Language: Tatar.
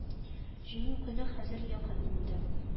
Җиңү көне хәзер якын инде